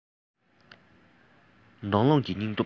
དོགས སློང གི སྙིང སྟོབས